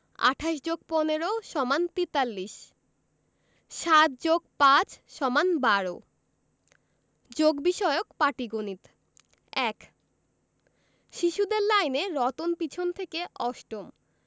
২৮ + ১৫ = ৪৩ ৭+৫ = ১২ যোগ বিষয়ক পাটিগনিতঃ ১ শিশুদের লাইনে রতন পিছন থেকে অষ্টম